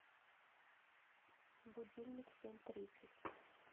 будильник семь тридцать